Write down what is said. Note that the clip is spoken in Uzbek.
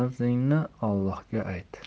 arzingni olloga ayt